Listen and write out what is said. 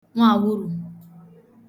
nwaàwurù